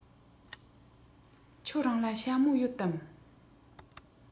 ཁྱོད རང ལ ཞྭ མོ ཡོད དམ